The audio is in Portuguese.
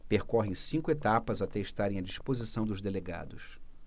percorrem cinco etapas até estarem à disposição dos delegados